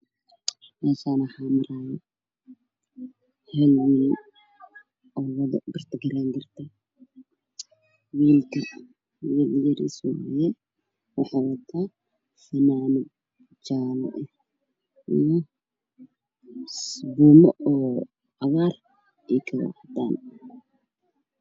Meeshaan waxaa jooga wiil yar wax ay u cayrinayaa wuxuu qabaa fanaanad jaala buugo cagaarkii ayaa ka dambeysa ay guryo